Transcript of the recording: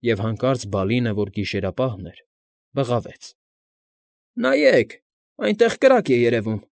Եվ հանկարծ Բալինը, որ գիշերապահն էր, բղավեց. ֊ Նայեք, այնտեղ կրակ է երևում։